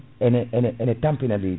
ene ene tampina leydi